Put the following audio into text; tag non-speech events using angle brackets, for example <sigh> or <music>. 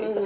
<hesitation> <hesitation>